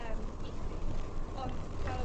yym i chi ond fel o'dd...